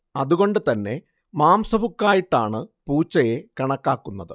അതുകൊണ്ട് തന്നെ മാംസഭുക്കായിട്ടാണ് പൂച്ചയെ കണക്കാക്കുന്നത്